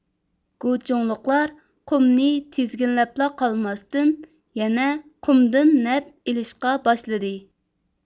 گۇچۇڭلۇقلار قۇمنى تىزگىنلەپلا قالماستىن يەنە قۇمدىن نەپ ئېلىشقا باشلىدى